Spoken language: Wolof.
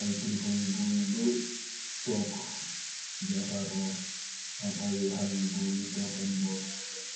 Aiy kilfa yu gorr yu bari, tog, jakarlo. Am aiy haleh yu gorr yu tog sen borr worr len.